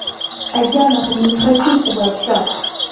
а я нахрен не хочу с тобой общаться